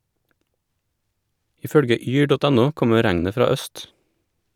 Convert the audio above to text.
I følge yr.no kommer regnet fra øst.